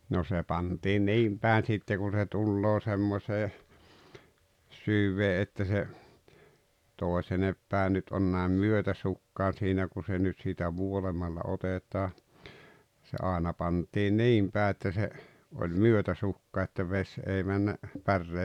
no se pantiin niin päin sitten kuin se tulee semmoiseen syvään että se toisin päin nyt on näin myötäsukaan siinä kun se nyt siitä vuolemalla otetaan se aina pantiin niin pää että se oli myötäsukaan että vesi ei mennyt päreen